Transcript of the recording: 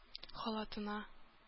Халатыңа